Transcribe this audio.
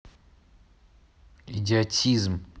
идиотизм